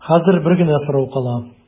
Хәзер бер генә сорау кала.